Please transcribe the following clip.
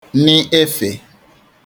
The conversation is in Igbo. nị efe